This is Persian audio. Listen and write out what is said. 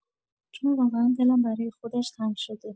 چون واقعا دلم برای خودش تنگ شده.